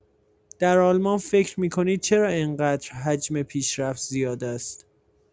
در آلمان فکر می‌کنید چرا اینقدر حجم پیشرفت زیاد است؟